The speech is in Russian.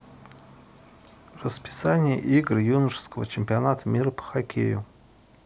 расписание игр юношеского чемпионата мира по хоккею